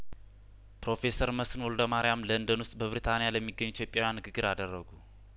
ፕሮፌሰር መስፍን ወልደ ማሪያም ለንደን ውስጥ በብሪታንያ ለሚገኙ ኢትዮጵያውያ ንንግግር አደረጉ